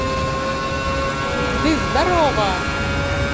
ты здорова